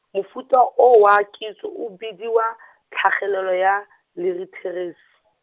mofuta o wa kitso o bidiwa , tlhagelelo ya , liritheresi .